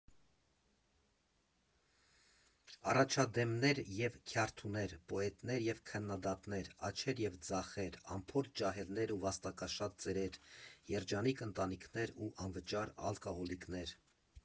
Առաջադեմներ և քյարթուներ, պոետներ և քննադատներ, աջեր և ձախեր, անփորձ ջահելներ ու վաստակաշատ ծերեր, երջանիկ ընտանիքներ ու անճար ալկոհոլիկներ։